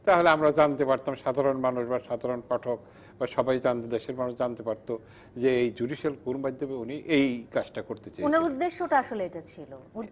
তাহলে আমরা জানতে পারতাম সাধারণ মানুষ বা সাধারন পাঠক বা সবাই দেশের মানুষ জানতে পারত যে এই জুডিশিয়াল ক্যুর মাধ্যমে উনি এই কাজটা করতে চেয়েছেন উনার উদ্দেশ্যটা আসলে এটা ছিল